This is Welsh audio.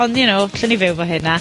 Ond you know allen ni fyw 'fo hynna.